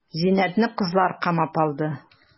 Зиннәтне кызлар камап алды.